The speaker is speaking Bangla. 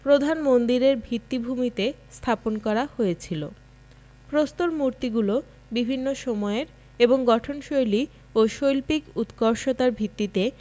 প্রধান মন্দিরের ভিত্তিভূমিতে স্থাপন করা হয়েছিল প্রস্তর মূর্তিগুলো বিভিন্ন সময়ের এবং গঠনশৈলী ও শৈল্পিক উৎকর্ষতার ভিত্তিতে